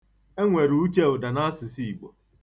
E nwere ucheụda n'asụsụ Igbo.